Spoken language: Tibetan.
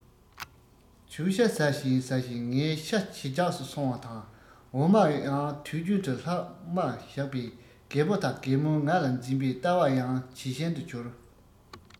བྱིའུ ཤ ཟ བཞིན ཟ བཞིན ངའི ཤ ཇེ རྒྱགས སུ སོང བ དང འོ མ ཡང དུས རྒྱུན དུ ལྷག མ བཞག པས རྒད པོ དང རྒན མོས ང ལ འཛིན པའི ལྟ བ ཡང ཇེ ཞན དུ གྱུར